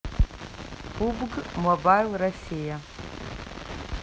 pubg mobile россия